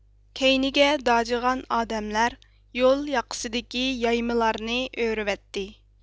كەينىگە داجىغان ئادەملەر يول ياقىسىدىكى يايمىلارنى ئۆرۈۋەتتى